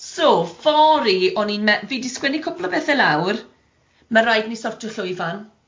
so, fory, o'n i'n me- fi di sgwennu cwpl o bethe lawr, ma' raid i ni sortio llwyfan.